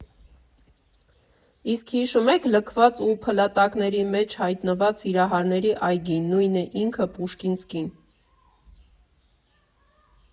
Իսկ հիշո՞ւմ եք լքված ու փլատակների մեջ հայտնված Սիրահարների այգին, նույն ինքը՝ «Պուշկինսկին»։